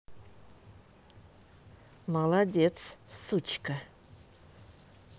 молодец сучка